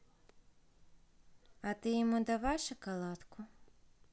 а ты ему давай шоколадку